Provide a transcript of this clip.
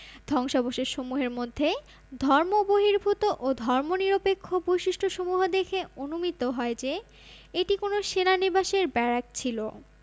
ধ্বংসাবশেষসমূহের মধ্যে ধর্মবহির্ভূত ও ধর্মনিরপেক্ষ বৈশিষ্ট্যসমূহ দেখে অনুমিত হয় যে এটি কোন সেনা নিবাসের ব্যারাক ছিল